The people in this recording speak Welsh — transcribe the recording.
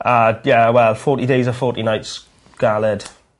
A ie wel forty days a forty nights. Galed.